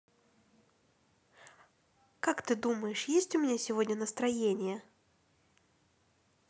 как ты думаешь есть у меня сегодня настроение